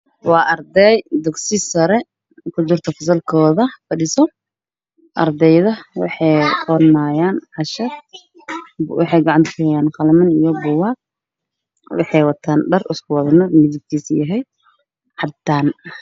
Waa arday dugsiga sare fadhiyo qol kooda